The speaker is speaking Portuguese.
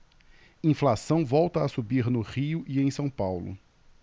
inflação volta a subir no rio e em são paulo